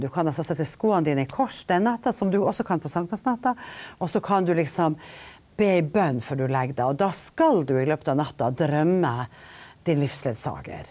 du kan altså sette skoene dine i kors den natta, som du også kan på sankthansnatta, også kan du liksom be ei bønn før du legger deg, og da skal du i løpet av natta drømme din livsledsager.